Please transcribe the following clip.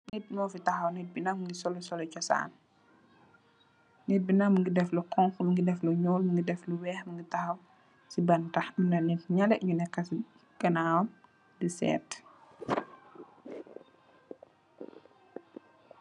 nget maw vi tahuni, nget binak mogui sol sollo chosan, nget binak mogui deff lo oxxo mogui deff lo null mogui deff loweek.